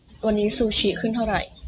วันนี้ซูชิขึ้นเท่าไหร่